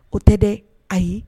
O tɛ dɛ, ayi.